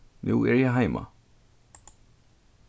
nú eri eg heima